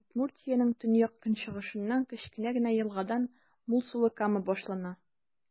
Удмуртиянең төньяк-көнчыгышыннан, кечкенә генә елгадан, мул сулы Кама башлана.